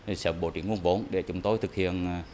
để sớm bố trí nguồn vốn để chúng tôi thực hiện à